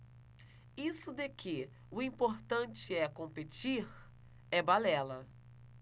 isso de que o importante é competir é balela